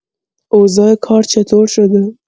اوضاع کار چطور شده؟